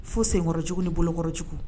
Fo senkɔrɔ cogo ni bolokɔrɔ cogo